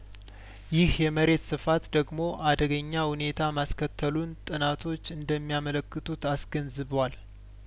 ይህ የመሬት ስፋት ደግሞ አደገኛ ሁኔታ ማስከተሉን ጥናቶች እንደሚያመለክቱ አስገንዝቧል